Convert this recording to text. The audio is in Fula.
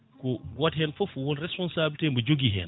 ko goto hen foof woon responsabilité mo jogui hen